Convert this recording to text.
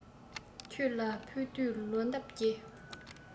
ཁྱེད ལ ཕུལ དུས ལོ འདབ རྒྱས